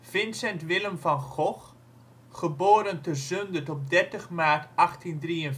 Vincent Willem van Gogh (Zundert, 30 maart 1853 –